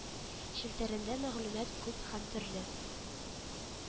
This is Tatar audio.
Челтәрендә мәгълүмат күп һәм төрле